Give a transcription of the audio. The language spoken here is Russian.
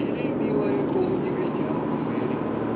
Или - милая полунегритянка Мэри